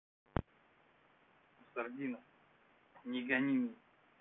у сардинов не гони меня